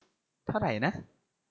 เท่าไรนะ